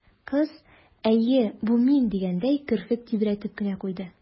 Кыз, «әйе, бу мин» дигәндәй, керфек тибрәтеп кенә куйды.